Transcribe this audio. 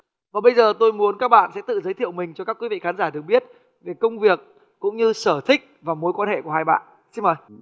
và bây giờ tôi muốn các bạn sẽ tự giới thiệu mình cho các quý vị khán giả được biết về công việc cũng như sở thích và mối quan hệ của hai bạn xin mời